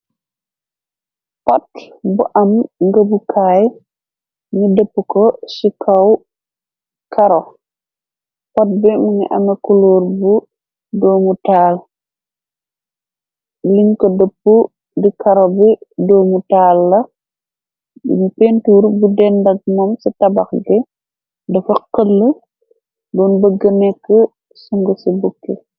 Pott bu am ngebu kaay ni dëppo ko chikaw karo pott bi mungi ameh kuloor bu doomu taal liñ ko dëppo di karo bi doomu taal la de pentur bu dendak noom ci tabax gi dafa xële doon bëgg nekk sungu ci bukki.